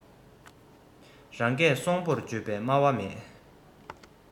རང སྐད སྲོང པོར བརྗོད པའི སྨྲ བ མེད